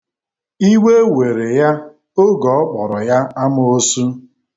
Iwe were ya oge ọ kpọrọ ya amoosu.